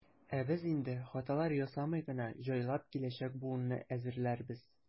Ә без инде, хаталар ясамый гына, җайлап киләчәк буынны әзерләрбез.